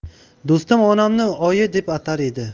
do'stim onamni oyi deb atar edi